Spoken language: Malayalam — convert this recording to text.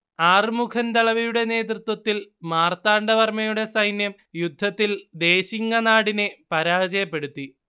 ആറുമുഖൻ ദളവയുടെ നേതൃത്വത്തിൽ മാർത്താണ്ഡവർമ്മയുടെ സൈന്യം യുദ്ധത്തിൽ ദേശിങ്ങനാടിനെ പരാജയപ്പെടുത്തി